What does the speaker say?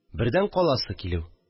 Бердән, каласы килү